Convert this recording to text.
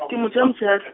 ke motho o motshehad-.